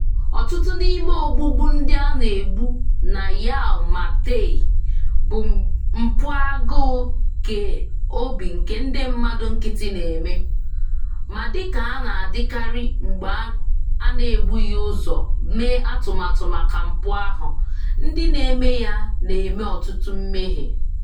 Ọtụtụ n'ime ogbugbu ndị a na-egbu na Yau Ma Tei bụ mpụ agụụ keobi nke ndị mmadu nkịtị na-eme, ma dị ka ọ na-adịkarị mgbe a na-ebughị ụzọ mee atụmatụ maka mpụ ahụ, ndị na-eme ya na-eme ọtụtụ mmehie.